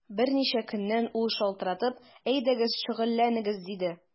Берничә көннән ул шалтыратып: “Әйдәгез, шөгыльләнегез”, диде.